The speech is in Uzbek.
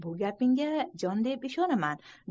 bu gapingga jon deb ishonaman